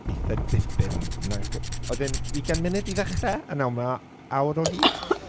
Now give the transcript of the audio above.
eitha dipyn, nag- oedd e'n ugain munud i ddechrau? A nawr ma- mae'n awr o hyd?